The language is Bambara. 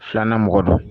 2 nan mɔgɔ dɔ